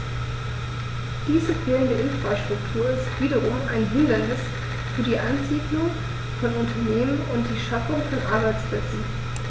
Diese fehlende Infrastruktur ist wiederum ein Hindernis für die Ansiedlung von Unternehmen und die Schaffung von Arbeitsplätzen.